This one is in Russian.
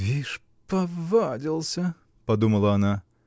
"Вишь, повадился", -- подумала она.